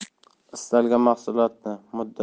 istalgan mahsulotni muddatli to'lov